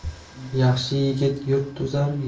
yaxshi yigit yurt tuzar